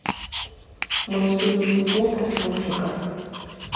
мультфильмы диснея про смурфиков